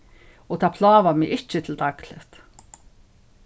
og tað plágar meg ikki til dagligt